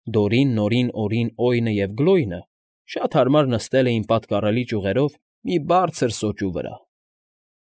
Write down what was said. Դորին, Նորին, Օրին, Օյնը և Գլոյնը շատ հարմար նստել էին պատկառելի ճյուղերով մի բարձր սոճու վրա։